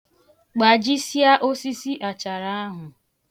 Gbajisịa osisi achara ahụ.